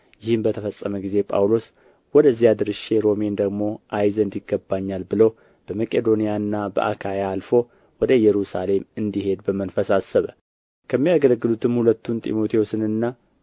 ይህም በተፈጸመ ጊዜ ጳውሎስ ወደዚያ ደርሼ ሮሜን ደግሞ አይ ዘንድ ይገባኛል ብሎ በመቄዶንያና በአካይያ አልፎ ወደ ኢየሩሳሌም እንዲሄድ በመንፈስ አሰበ ከሚያገለግሉትም ሁለቱን ጢሞቴዎስንና